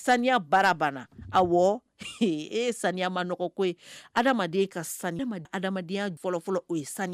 Saniya bara banna a e ye sanya ma n nɔgɔɔgɔ ye adama ka san adamadenyaya fɔlɔlɔfɔlɔ o ye san